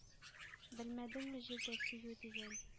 Белмәдеңме җирдә «сөю» дигән